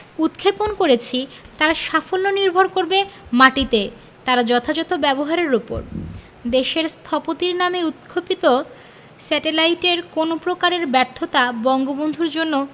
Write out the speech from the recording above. উৎক্ষেপণ করেছি তার সাফল্য নির্ভর করবে মাটিতে তার যথাযথ ব্যবহারের ওপর দেশের স্থপতির নামে উৎক্ষেপিত স্যাটেলাইটের কোনো প্রকারের ব্যর্থতা বঙ্গবন্ধুর জন্য